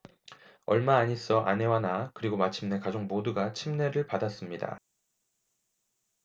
얼마 안 있어 아내와 나 그리고 마침내 가족 모두가 침례를 받았습니다